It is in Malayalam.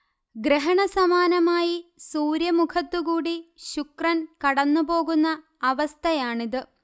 ഗ്രഹണസമാനമായി സൂര്യമുഖത്തുകൂടി ശുക്രൻ കടന്നുപോകുന്ന അവസ്ഥയാണിത്